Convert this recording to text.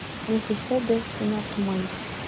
Нәфисә дә сынатмый.